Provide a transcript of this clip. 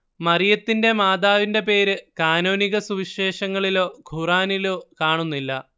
മറിയത്തിന്റെ മാതാവിന്റെ പേരു കാനോനിക സുവിശേഷങ്ങളിലോ ഖുർആനിലോ കാണുന്നില്ല